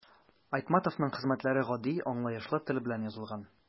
Айтматовның хезмәтләре гади, аңлаешлы тел белән язылган.